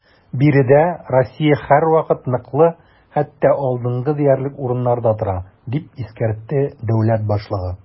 Биредә Россия һәрвакыт ныклы, хәтта алдынгы диярлек урыннарда тора, - дип искәртте дәүләт башлыгы.